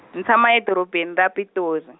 ni tshama edorobeni ra Pitori.